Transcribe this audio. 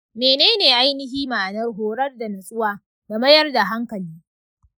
mene ne ainihin ma'anar horar da natsuwa da mayar da hankali?